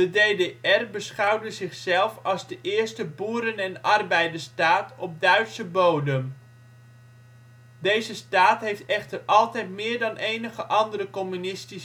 De DDR beschouwde zichzelf als de eerste " boeren - en arbeidersstaat op Duitse bodem ". Deze staat heeft echter altijd meer dan enige andere communistische staat